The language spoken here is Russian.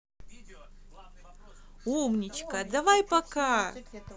умничка давай пока